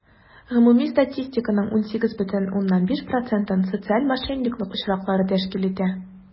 Гомуми статистиканың 18,5 процентын социаль мошенниклык очраклары тәшкил итә.